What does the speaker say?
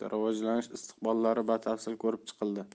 va rivojlanish istiqbollari batafsil ko'rib chiqildi